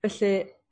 Felly